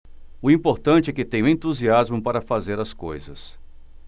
o importante é que tenho entusiasmo para fazer as coisas